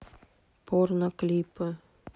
порно клипы